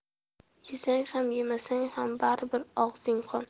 yesang ham yemasang ham baribir og'zing qon